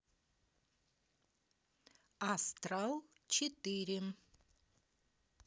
астрал четыре